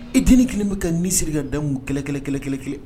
I deniin kelen bɛ ka nisiri ka da kɛlɛ kɛlɛ kɛlɛ kɛlɛkelen